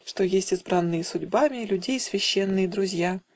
Что есть избранные судьбами, Людей священные друзья